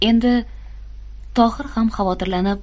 endi tohir ham xavotirlanib